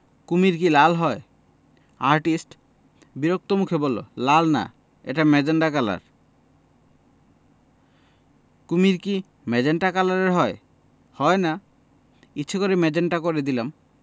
কুমীর কি লাল হয় আর্টিস্ট বিরক্ত মুখে বললেন লাল না এটা মেজেন্টা কালার কুমীর কি মেজেন্টা কালারের হয় হয় না ইচ্ছা করেই মেজেন্টা করে দিলাম